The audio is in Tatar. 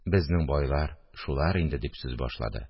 Безнең байлар шулар инде, – дип сүз башлады